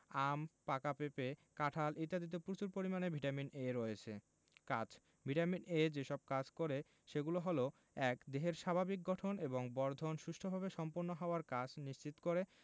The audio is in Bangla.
আম পাকা পেঁপে কাঁঠাল ইত্যাদিতে প্রচুর পরিমানে ভিটামিন এ রয়েছে কাজ ভিটামিন এ যেসব কাজ করে সেগুলো হলো ১. দেহের স্বাভাবিক গঠন এবং বর্ধন সুষ্ঠুভাবে সম্পন্ন হওয়ার কাজ নিশ্চিত করে